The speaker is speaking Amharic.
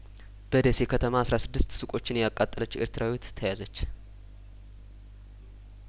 በደሴ ከተማ አስራ ስድስት ሱቆችን ያቃጠለችው ኤርትራዊት ተያዘች